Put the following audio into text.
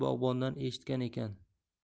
bog'bondan eshitgan ekan